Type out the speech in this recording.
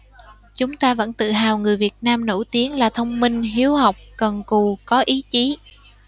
chúng ta vẫn tự hào người việt nam nổi tiếng là thông minh hiếu học cần cù có ý chí